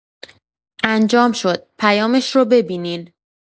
انجام شد، پیامش رو ببینین.